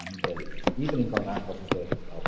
Dan ni'n deud chdi'r 'di'r un gorau am fod yn greadigol.